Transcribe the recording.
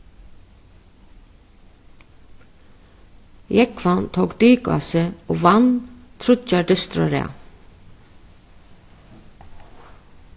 jógvan tók dik á seg og vann tríggjar dystir á rað